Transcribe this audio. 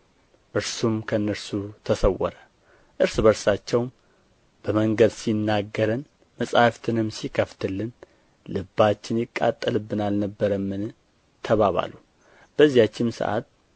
እርሱም ከእነርሱ ተሰወረ እርስ በርሳቸውም በመንገድ ሲናገረን መጻሕፍትንም ሲከፍትልን ልባችን ይቃጠልብን አልነበረምን ተባባሉ በዚያችም ሰዓት